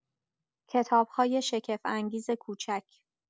کتاب‌های شگفت‌انگیز کوچک